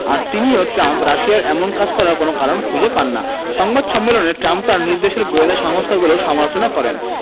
আর তিনিও ট্রাম্প রাশিয়ার এমন কাজ করার কোনো কারণ খুঁজে পান না সংবাদ সম্মেলনে ট্রাম্প তাঁর নিজ দেশের গোয়েন্দা সংস্থাগুলোর সমালোচনা করেন